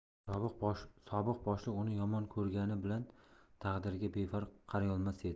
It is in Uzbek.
sobiq boshliq uni yomon ko'rgani bilan taqdiriga befarq qarayolmas edi